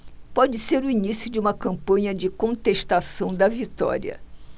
pode ser o início de uma campanha de contestação da vitória